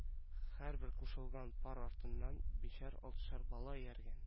Һәрбер кушылган пар артыннан бишәр-алтышар бала ияргән